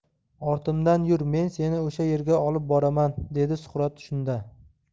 ortimdan yur men seni o'sha yerga olib boraman dedi suqrot shunda